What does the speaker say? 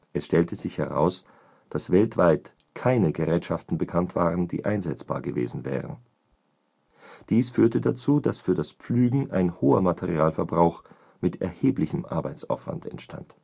Es stellte sich heraus, dass weltweit keine Gerätschaften bekannt waren, die einsetzbar gewesen wären. Dies führte dazu, dass für das Pflügen ein hoher Materialverbrauch mit erheblichem Arbeitsaufwand entstand